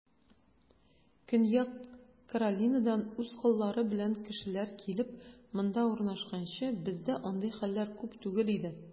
Көньяк Каролинадан үз коллары белән кешеләр килеп, монда урнашканчы, бездә андый хәлләр күп түгел иде.